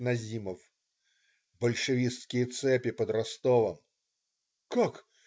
Назимов: "Большевистские цепи под Ростовом!" - "Как?